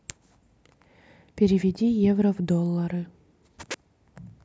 переведи евро в доллары